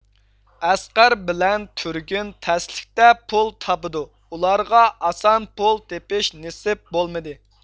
ئەسقەر بىلەن تۈرگىن تەسلىكتە پۇل تاپىدۇ ئۇلارغا ئاسان پۇل تېپىش نىسىپ بولمىدى